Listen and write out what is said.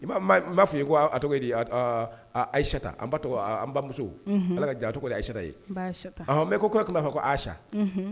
I m'a ye m'a m'af'i ye ko a a tɔgɔ ye di ad aa a Aichata an ba tɔgɔ aa an bamuso unhun Ala ka ja a tɔgɔ de ye Aichata ye n ba Aichata ɔhɔ Mecque kaw kun b'a fɔ ko Acha unhun